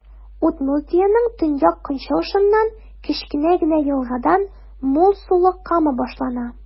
Удмуртиянең төньяк-көнчыгышыннан, кечкенә генә елгадан, мул сулы Кама башлана.